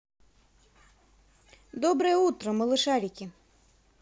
доброе утро малышарики